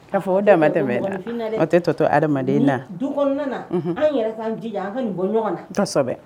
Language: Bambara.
Ka fɔ o dan ma tɛmɛ, o tɛ tɔ to mɔgɔninfin na dɛ, o tɛ tɔ to adamaden na, du kɔnɔna, unhun, an yɛrɛ ka jija an ka nin bɔ ɲɔgɔnna, kosɛbɛ.